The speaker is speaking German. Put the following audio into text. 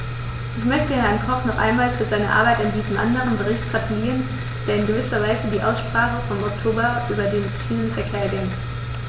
Ich möchte Herrn Koch noch einmal für seine Arbeit an diesem anderen Bericht gratulieren, der in gewisser Weise die Aussprache vom Oktober über den Schienenverkehr ergänzt.